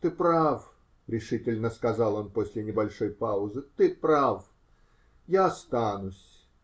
-- Ты прав, -- решительно сказал он после небольшой паузы. -- Ты прав. Я останусь.